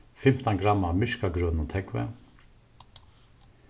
fimtan gramm av myrkagrønum tógvi